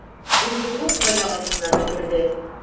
Сундуков аяк астына төкерде.